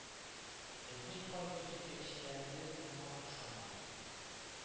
Безнең кайбер җитәкчеләребез моңа ышана,